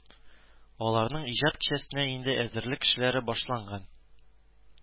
Аларның иҗат кичәсенә инде әзерлек эшләре башланган